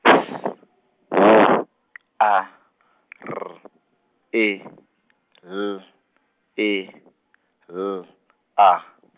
S W A R E L E L A.